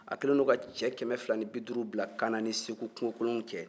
a kɛlen don ka cɛ kɛmɛ fila ni biduuru bila kana ni segu kungo kɔnɔnaw cɛ